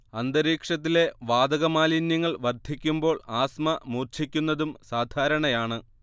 അന്തരീക്ഷത്തിലെ വാതകമാലിന്യങ്ങൾ വർദ്ധിക്കുമ്പോൾ ആസ്മ മൂർച്ഛിക്കുന്നതും സാധാരണയാണ്